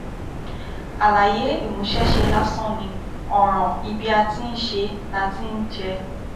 Àlàyé ìmúṣẹ́ṣe lásán ni, ọ̀ràn ibi-a-ti-ń-ṣe-la-ti-ń-jẹ.